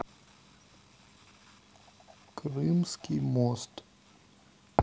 крымский мост